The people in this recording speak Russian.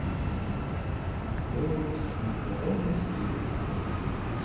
тренд макароны с кетчупом